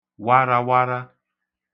warawara